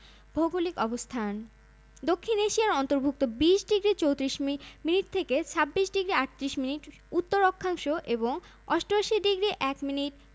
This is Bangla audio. তাজিং ডং পর্বতমালার সর্বোচ্চ শৃঙ্গ বিজয় এর উচ্চতা ১হাজার ২৮০ মিটার এবং এটি রাঙ্গামাটি জেলার সাইচল পর্বতসারির অন্তর্ভূক্ত